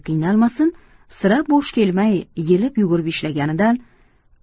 qiynalmasin sira bo'sh kelmay yelib yugurib ishlaganidan